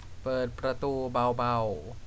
เปิดประตูเบาๆ